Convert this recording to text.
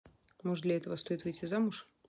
может быть для этого стоит выйти замуж